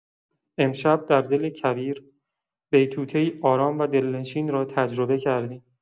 امشب در دل کویر، بیتوته‌ای آرام و دلنشین را تجربه کردیم.